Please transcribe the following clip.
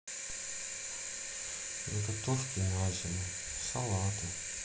заготовки на зиму салаты